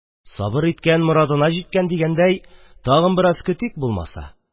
Сабыр иткән морадына җиткән дигәндәй, тагын бераз көтик булмаса.